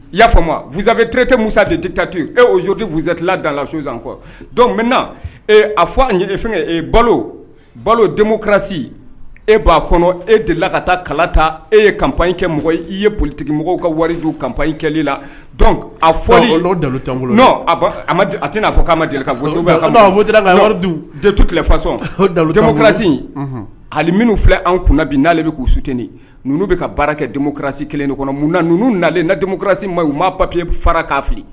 Y yaa faamu fuzsaberetɛ musa de tɛ ta to e ozodi fuztila da la ssan kuwa don min na a fɔ a ye de balo balo denmusomu kɛrasi e b'a kɔnɔ e dela ka taa kala ta e ye kap in kɛ mɔgɔ i ye politigi mɔgɔw ka wariju kap in kɛli la a fɔ a tɛna n'a k'a ma delitu fasɔnmu ani minnu filɛ anw kun bi n'ale bɛ k'u suteni ninnu bɛ ka baara kɛ denmuso kɛrasi kelen de kɔnɔ mun naun nalen na denmusomusi ma u ma papie fara k'a fili